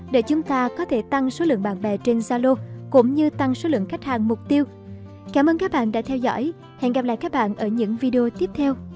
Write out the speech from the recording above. để chúng ta có thể tăng số lượng bạn bè trên zalo cũng như tăng số lượng khách hàng mục tiêu cảm ơn các bạn đã theo dõi hẹn gặp lại các bạn ở những video tiếp theo